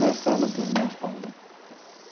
narsani bilmay qoldim